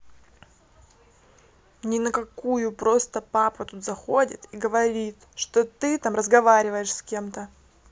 ни на какую просто папа тут заходит и говорит что ты там разговариваешь с кем то